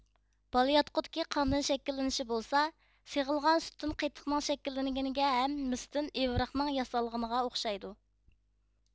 بالىياتقۇدىكى قاندىن شەكىللىنىشى بولسا سېغىلغان سۈتتىن قېتىقنىڭ شەكىللەنگىنىگە ھەم مىستىن ئىۋرىقنىڭ ياسالغىنىغا ئوخشايدۇ